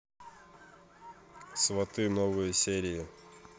сваты новые серии